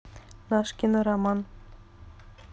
наш кинороман